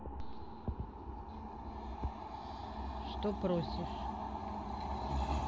что просишь